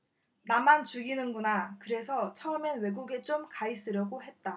나만 죽이는 구나 그래서 처음엔 외국에 좀 가있으려고 했다